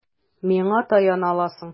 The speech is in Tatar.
Миңа таяна аласың.